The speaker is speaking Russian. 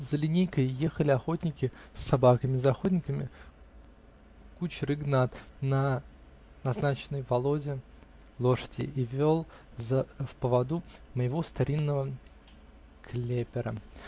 За линейкой ехали охотники с собаками, за охотниками -- кучер Игнат на назначенной Володе лошади и вел в поводу моего старинного клепера.